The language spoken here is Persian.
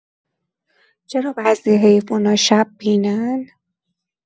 چرا بعضی حیونا شب‌بینن؟